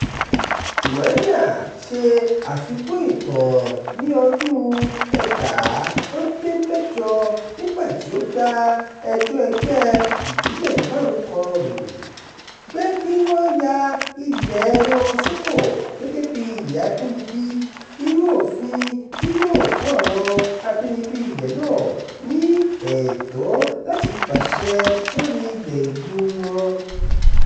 Joênia ṣe àfikún ìtàn ní ọdún-un 2008 nígbà tí ó gba ẹjọ́ ẹgbẹ́ ìbílẹ̀ márùn-ún kan rò, pé kí wọn ya ilẹ̀ẹ wọn sọ́tọ̀ gẹ́gẹ́ bí ilẹ̀ abínibí, irú òfin tí yóò fún àwọn abínibí ilẹ̀ náà ní ẹ̀tọ́ láti pàṣẹ lórí àwọn ilẹ̀ ìlúu wọn.